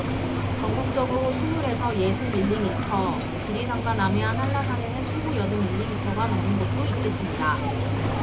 전국적으로 스물 에서 예순 밀리미터 지리산과 남해안 한라산에는 최고 여든 밀리미터가 넘는 곳도 있겠습니다